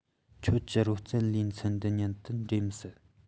ཁྱོད གྱི རོལ རྩེད ལེ ཚན འདི མཉམ དུ འདྲེས མི སྲིད